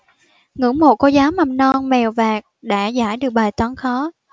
ngưỡng mộ cô giáo mầm non mèo vạc đã giải được bài toán khó